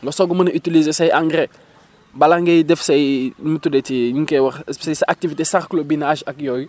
nga soog a mën a utiliser say engrais bala ngay def say nu mu tuddati nu ñu koy waxee sa activité cerlobinage ak yooyu